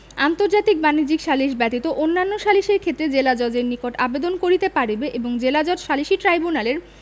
আন্তর্জাতিক বাণিজ্যিক সালিস ব্যতীত অন্যান্য সালিসের ক্ষেত্রে জেলাজজের নিকট আবেদন করিতে পারিবে এবং জেলাজজ সালিসী ট্রাইব্যুনালের